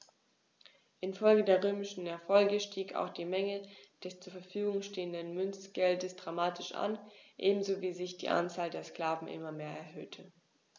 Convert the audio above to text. Infolge der römischen Erfolge stieg auch die Menge des zur Verfügung stehenden Münzgeldes dramatisch an, ebenso wie sich die Anzahl der Sklaven immer mehr erhöhte.